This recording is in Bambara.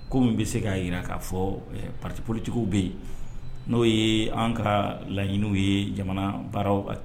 Ko min bɛ se k'a jira k'a fɔ ɛ partis politiques w bɛ yen, n'o ye anw ka laɲiniw ye jamana baara